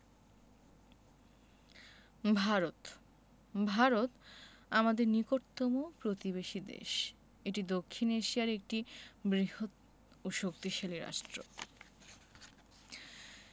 ভারতঃ ভারত আমাদের নিকটতম প্রতিবেশী দেশএটি দক্ষিন এশিয়ার একটি বৃহৎও শক্তিশালী রাষ্ট্র